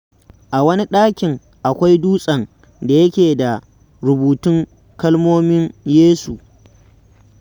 A wani ɗakin akwai dutsen da yake da rubutun kalmomin Yesu.